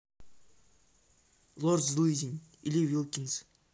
лорд злыдень или вилкинс